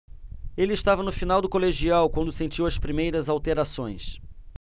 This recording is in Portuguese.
ele estava no final do colegial quando sentiu as primeiras alterações